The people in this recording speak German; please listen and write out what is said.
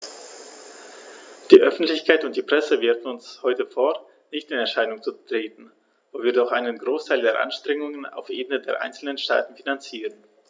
Die Öffentlichkeit und die Presse werfen uns heute vor, nicht in Erscheinung zu treten, wo wir doch einen Großteil der Anstrengungen auf Ebene der einzelnen Staaten finanzieren.